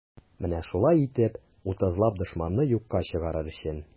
Менә шулай итеп, утызлап дошманны юкка чыгарыр өчен.